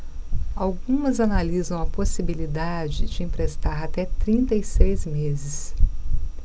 algumas analisam a possibilidade de emprestar até trinta e seis meses